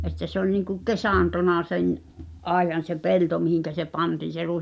että se oli niin kuin kesantona sen ajan se pelto mihin se pantiin se ruis